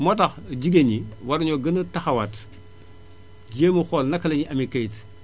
moo tax jigéen ñi war nañoo gën a taxawaat jéem a xool naka la ñuy amee këyit